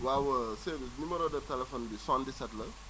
waaw Seydou numéro de téléphone bi 77 la